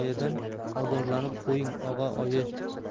bu kinoyadan ozorlanib qo'ying og'a oyi